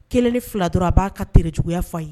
Kelen ni fila dɔrɔn a b'a ka kɛlɛ juguyaya fa ye